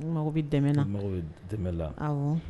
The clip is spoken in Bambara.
Mago bɛ dɛɛna mago bɛ dɛmɛ la aw